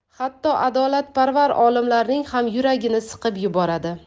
hatto adolatparvar olimlarning ham yuragini siqib yuboradi